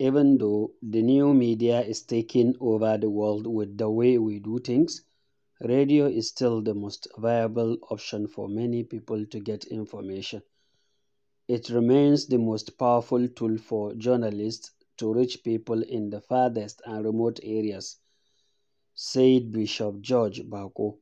Even though the new media is taking over the world with the way we do things, radio is still the most viable option for many people to get information, it remains the most powerful tool for journalists to reach people in the farthest and remote areas... said Bishop George Bako,